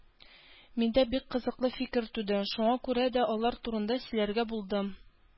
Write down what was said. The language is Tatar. Миндә бик кызыклы фикер туды, шуңа күрә дә алар турында сөйләргә булдым